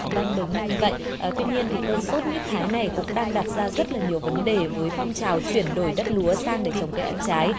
dạ vâng đúng là như vậy ờ tuy nhiên thì cơn sốt mít thái này cũng đang đặt ra rất là nhiều vấn đề với phong trào chuyển đổi đất lúa sang để trồng cây ăn trái